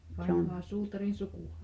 vanhaa suutarin sukua